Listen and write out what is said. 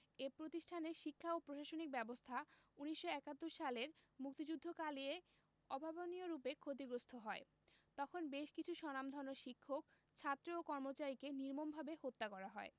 এ প্রতিষ্ঠানের শিক্ষা ও প্রশাসনিক ব্যবস্থা ১৯৭১ সালের মুক্তিযুদ্ধকালে অভাবনীয়রূপে ক্ষতিগ্রস্ত হয় তখন বেশ কিছু স্বনামধন্য শিক্ষক ছাত্র ও কর্মচারীকে নির্মমভাবে হত্যা করা হয়